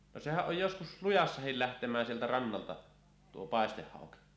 no sehän on joskus lujassa lähtemään sieltä rannalta tuo paistehauki